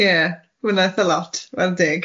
Ie ma'n eitha lot, chware teg?